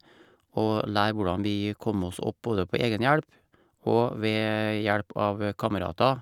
Og lære hvordan vi kom oss opp både på egen hjelp og ved hjelp av kamerater.